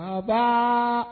Nba